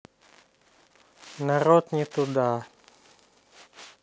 народ не туда